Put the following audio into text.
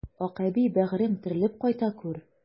Акъәби, бәгырем, терелеп кайта күр!